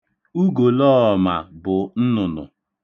Ugolọọma bụ nnụnụ.